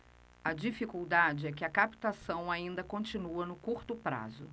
a dificuldade é que a captação ainda continua no curto prazo